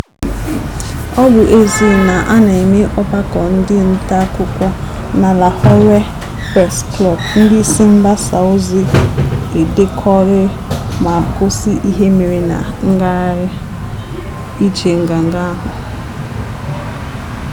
Ọ bụ ezie na a na-eme ọgbakọ ndị nta akụkọ na Lahore Press Club, ndị isi mgbasa ozi edekọghị ma gosi ihe mere na Ngagharị Ije Nganga ahụ.